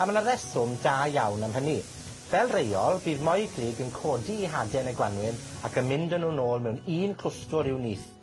A ma' 'na reswm da iawn am hynny. Fel reol, bydd moygrug yn codi 'i hade yn y Gwanwyn, ac yn mynd â nw nôl mewn un clwstwr i'w nyth.